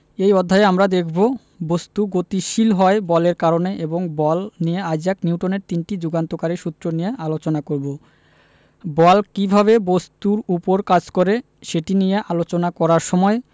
এই অধ্যায়ে আমরা দেখব বস্তু গতিশীল হয় বলের কারণে এবং বল নিয়ে আইজাক নিউটনের তিনটি যুগান্তকারী সূত্র নিয়ে আলোচনা করব বল কীভাবে বস্তুর উপর কাজ করে সেটি নিয়ে আলোচনা করার সময়